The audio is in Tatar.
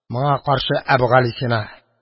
Моңа каршы Әбүгалисина